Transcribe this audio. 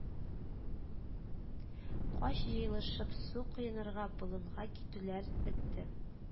Кач җыелышып су коенырга болынга китүләр бетте